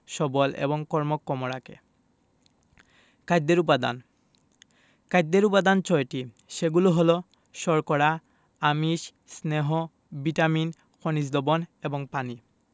সবল এবং কর্মক্ষম রাখে খাদ্যের উপাদান খাদ্যের উপাদান ছয়টি সেগুলো হলো শর্করা আমিষ স্নেহ ভিটামিন খনিজ লবন এবং পানি